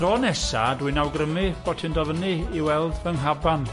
A thro nesa dwi'n awgrymu bo ti'n dod fyny i weld fy ngaban